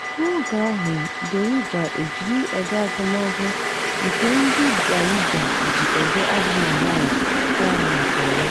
N'oge ahụ, Derija ejiri ede agụmagụ, nke ndị Darija ji ede abụ Malhoun, ka nọkwa ya.